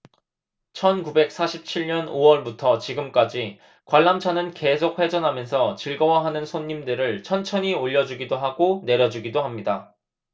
천 구백 사십 칠 년 오 월부터 지금까지 관람차는 계속 회전하면서 즐거워하는 손님들을 천천히 올려 주기도 하고 내려 주기도 합니다